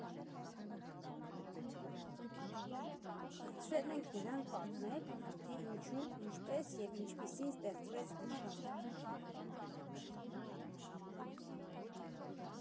Խնդրել ենք նրան պատմել, թե ինչու, ինչպես և ինչպիսին ստեղծվեց նշանը։